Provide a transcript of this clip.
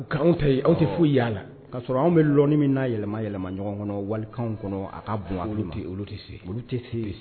U anw tɛ yen anw tɛ foyi yalala kaa sɔrɔ anw bɛlɔni min'a yɛlɛma yɛlɛma ɲɔgɔn kɔnɔ waliw kɔnɔ a ka bon olu tɛ se olu tɛ se